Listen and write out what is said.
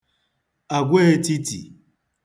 àgwaētītì